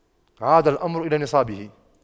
عاد الأمر إلى نصابه